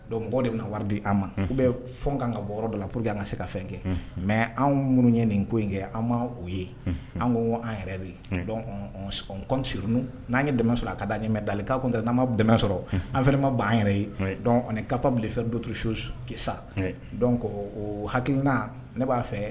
Don mɔgɔ de bɛna wari di' ma u bɛ fɔ ka ka bɔ dɔ la p walasa an ka se ka fɛn kɛ mɛ anw minnu ye nin ko in kɛ an o ye an an yɛrɛ de ye kɔn surun n'an ye dɛmɛ sɔrɔ a ka da ɲɛmɛ dalen k' kun n'an ma dɛmɛ sɔrɔ an fɛ ma ban an yɛrɛ ye dɔn kababilenfɛ duursu dɔn o haina ne b'a fɛ